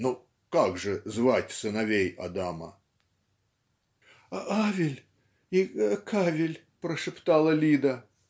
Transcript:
Ну, как же звать сыновей Адама?" "Авель и Кавель", прошептала Лида.